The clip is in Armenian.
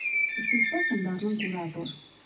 Իսկ ինչպե՞ս են դառնում կուրատոր։